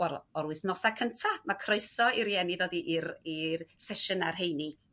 o'r o'r wythnosa' cynta' ma' croeso i rieni ddod i'r i'r sesiyna' rheini